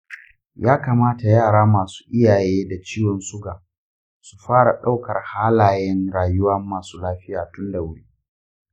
ya kamata yara masu iyaye da ciwon suga su fara ɗaukar halayen rayuwa masu lafiya tun da wuri.